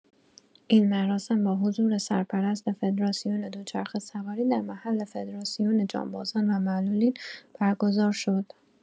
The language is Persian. این مراسم با حضور سرپرست فدراسیون دوچرخه‌سواری، در محل فدراسون جانبازان و معلولین برگزار شد.